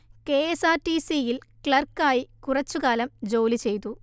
കെഎസ്ആർടിസിയിൽ ക്ലർക്കായ് കുറച്ചു കാലം ജോലി ചെയ്തു